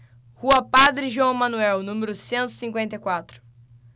rua padre joão manuel número cento e cinquenta e quatro